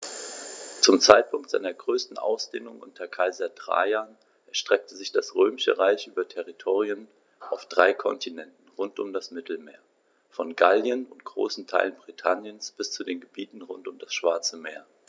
Zum Zeitpunkt seiner größten Ausdehnung unter Kaiser Trajan erstreckte sich das Römische Reich über Territorien auf drei Kontinenten rund um das Mittelmeer: Von Gallien und großen Teilen Britanniens bis zu den Gebieten rund um das Schwarze Meer.